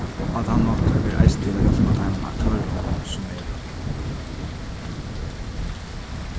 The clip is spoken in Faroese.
á tann hátt ber eisini til at hjálpa teimum aktørum sum eru